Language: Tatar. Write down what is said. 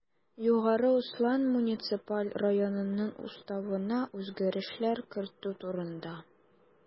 Югары Ослан муниципаль районынның Уставына үзгәрешләр кертү турында